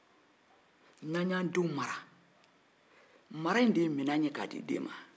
mara in de ye minɛn ye k'a di den ma